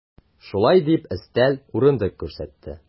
Шулай дип, өстәл, урындык күрсәтте.